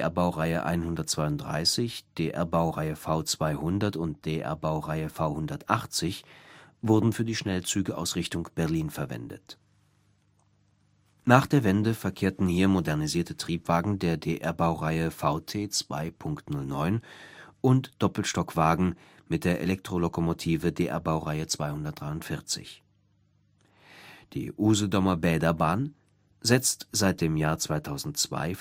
DR-Baureihe 132, DR-Baureihe V 200 und DR-Baureihe V 180 wurden für die Schnellzüge aus Richtung Berlin verwendet. Nach der Wende verkehrten hier modernisierte Triebwagen der DR-Baureihe VT 2.09 und Doppelstockwagen mit der Elektrolokomotive DR-Baureihe 243. Die Usedomer Bäderbahn setzt seit dem Jahr 2002